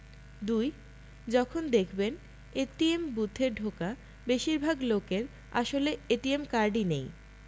২. যখন দেখবেন এটিএম বুথে ঢোকা বেশির ভাগ লোকের আসলে এটিএম কার্ডই নেই